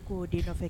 K' oo' fɛ